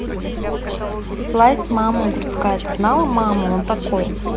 слайс мама гурцкая ты знаешь мама он такой